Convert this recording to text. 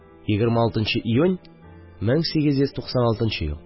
26 нчы июнь, 1896 ел